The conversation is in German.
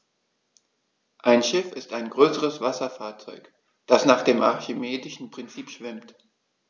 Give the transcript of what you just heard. Ein Schiff ist ein größeres Wasserfahrzeug, das nach dem archimedischen Prinzip schwimmt.